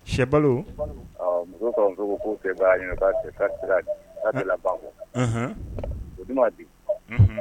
Sɛ balo muso ka ko k' fɛ' ka ban bɔ o'a di